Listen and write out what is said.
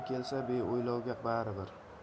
kelsa beo'ylovga baribir